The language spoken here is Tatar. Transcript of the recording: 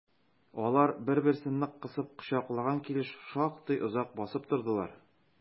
Алар бер-берсен нык кысып кочаклаган килеш шактый озак басып тордылар.